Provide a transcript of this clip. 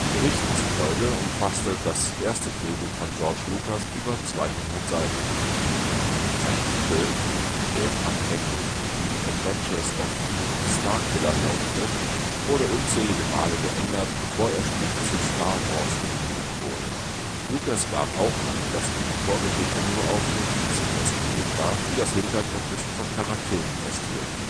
Berichten zufolge umfasste das erste Drehbuch von George Lucas über 200 Seiten. Sein Titel, der anfänglich The Adventures of Luke Starkiller lautete, wurde unzählige Male geändert, bevor er schlicht zu Star Wars umbenannt wurde. Lucas gab auch an, dass die Vorgeschichte nur auf „ Notizen “festgelegt war, die das Hintergrundwissen von Charakteren festhielten